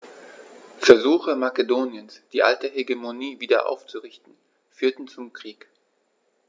Versuche Makedoniens, die alte Hegemonie wieder aufzurichten, führten zum Krieg.